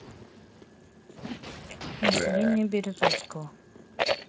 население березовского